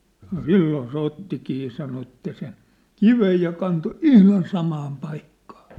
sanoi silloin se ottikin ja sanoi että sen kiven ja kantoi ihan samaan paikkaan